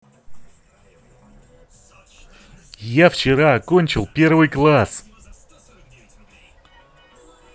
я вчера окончил первый класс